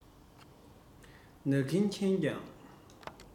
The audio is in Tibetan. ན གྱིས མཁྱེན ཀྱང